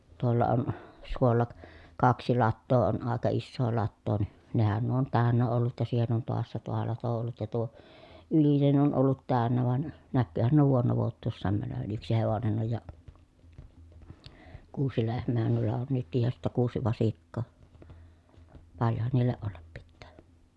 tuolla on suolla - kaksi latoa on aika isoa latoa niin nehän nuo on täynnä ollut ja siihen on taassa tuo lato ollut ja tuo ylinen ollut täynnä vaan näkyyhän nuo vuonna vuotuisenaan menevän yksi hevonen on ja kuusi lehmäähän noilla on nytkin ja sitten kuusi vasikkaa paljonhan niillä olla pitää